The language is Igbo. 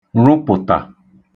rụpụ̀tà